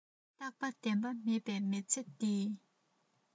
རྟག པ བརྟན པ མེད པའི མི ཚེ འདི